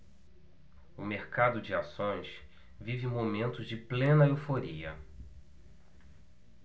o mercado de ações vive momentos de plena euforia